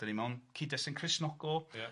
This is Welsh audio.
...dan ni mewn cyd-destun Cristnogol... Ia.